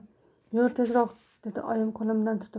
yur tezroq dedi oyim qo'limdan tutib